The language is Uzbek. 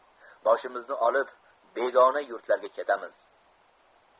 boshimizni olib begona yurtlarga ketamiz